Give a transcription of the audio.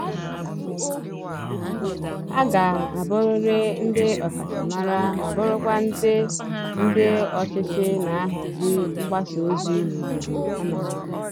Ha ga-abụrịrị ndị ọkachamara ma bụrụkwa ndị ndị ọchịchị na-ahazi mgbasa ozi n'obodo a mara.